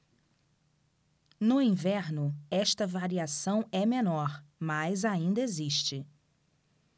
no inverno esta variação é menor mas ainda existe